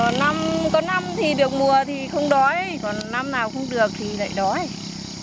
ờ năm có năm thì được mùa thì không đói còn năm nào không được thì lại đói